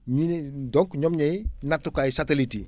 ñu ne donc ñoom ñooy nattukaay satélites yi